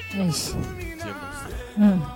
Minyan